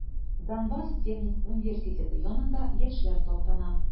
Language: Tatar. Донбасс техник университеты янында яшьләр таптана.